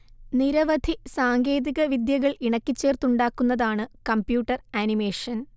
നിരവധി സാങ്കേധിക വിദ്യകൾ ഇണക്കിച്ചേർത്തുണ്ടാക്കുന്നതാണ് കമ്പ്യൂട്ടർ അനിമേഷൻ